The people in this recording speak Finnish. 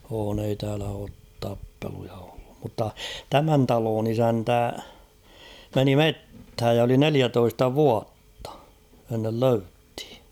on ei täällä ole tappeluita ollut mutta tämän talon isäntä meni metsään ja oli neljätoista vuotta ennen löydettiin